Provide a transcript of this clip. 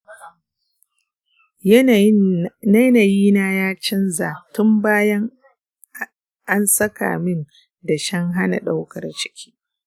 yanayi na ya canza tun bayan an saka min dashen hana daukar ciki..